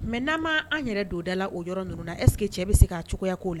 Mɛ n'a ma an yɛrɛ donda la o yɔrɔ ninnu na ɛssekeke cɛ bɛ se k' cogoyaya ko' la